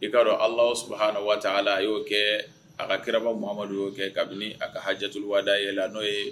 I'a alaha waati ala y'o kɛ ala kɛrabamadu y'o kɛ kabini a ka hajɛtu waa yɛlɛ la n'o ye